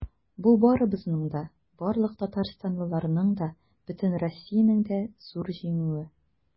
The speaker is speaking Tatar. Бу барыбызның да, барлык татарстанлыларның да, бөтен Россиянең дә зур җиңүе.